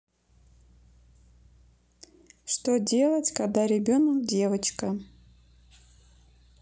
что делать когда ребенок девочка